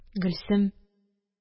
Гөлсем